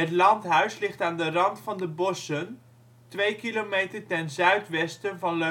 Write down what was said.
landhuis ligt aan de rand van de bossen, 2 kilometer ten zuidwesten van